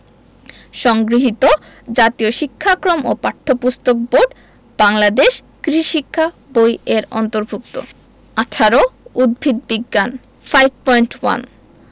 সংগৃহীত জাতীয় শিক্ষাক্রম ও পাঠ্যপুস্তক বোর্ড বাংলাদেশ কৃষি শিক্ষা বই এর অন্তর্ভুক্ত ১৮ উদ্ভিদ বিজ্ঞান 5.1